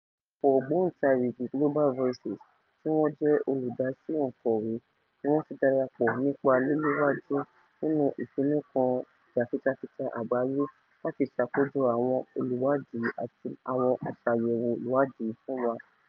Ọ̀pọ̀lọpọ̀ ògbóntàrigì Global Voices tí wọ́n jẹ́ olùdásí ọ̀ǹkọ̀wé ní wọ́n ti darapọ̀ nípa líléwájú nínu ìfinúkan jàfitafita àgbáyé láti ṣåkójọ àwọn olùwádìí àti àwọn aṣàyẹ̀wò ìwádìí fún wa.